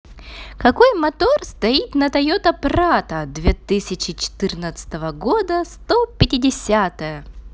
какой мотор стоит на тойота прадо две тысячи четырнадцатого года сто пятидесятая